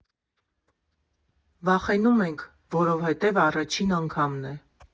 Վախենում ենք, որովհետև առաջին անգամն է։